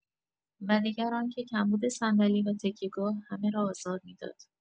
و دیگر آنکه، کمبود صندلی و تکیه‌گاه همه را آزار می‌داد.